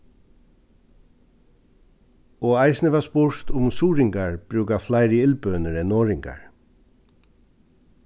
og eisini var spurt um suðuroyingar brúka fleiri illbønir enn norðoyingar